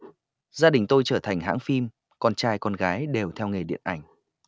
gia đình tôi trở thành hãng phim con trai con gái đều theo nghề điện ảnh